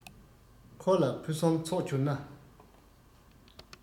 འཁོར ལ ཕུན སུམ ཚོགས གྱུར ན